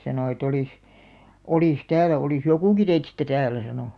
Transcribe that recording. sanoi että olisi olisi täällä olisi jokukin teistä täällä sanoi